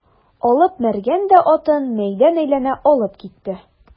Алып Мәргән дә атын мәйдан әйләнә алып китте.